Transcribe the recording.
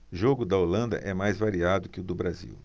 jogo da holanda é mais variado que o do brasil